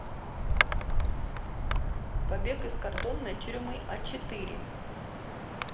побег из картонной тюрьмы а четыре